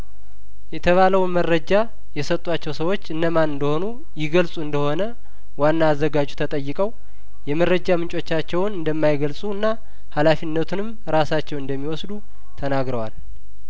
የተባለውን መረጃ የሰጧቸው ሰዎች እነማን እንደሆኑ ይገልጹ እንደሆነ ዋና አዘጋጁ ተጠይቀው የመረጃ ምንጮቻቸውን እንደማይገልጹና ሀላፊነቱንም እራሳቸው እንደሚወስዱ ተናግረዋል